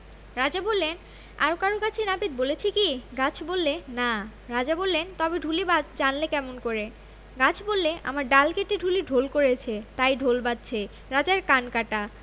রাজা বললেন আর কারো কাছে নাপিত বলেছে কি গাছ বললে না রাজা বললেন তবে ঢুলি জানলে কেমন করে গাছ বললে আমার ডাল কেটে ঢুলি ঢোল করেছে তাই ঢোল বাজছে রাজার কান কাটা